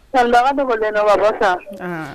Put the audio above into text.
Sannibaga dogolen don ka bɔ San, an